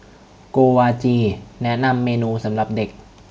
โกวาจีแนะนำเมนูสำหรับเด็ก